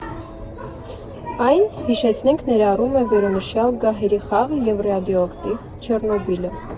Այն, հիշեցնենք, ներառում է վերոնշյալ «Գահերի խաղը» և ռադիոակտիվ «Չեռնոբիլը»։